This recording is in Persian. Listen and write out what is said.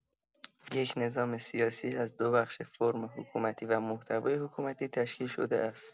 یک نظام سیاسی از دوبخش فرم حکومتی و محتوای حکومتی تشکیل شده است.